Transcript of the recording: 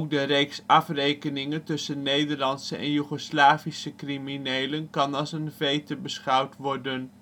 de reeks afrekeningen tussen Nederlandse en Joegoslavische criminelen kan als een vete beschouwd worden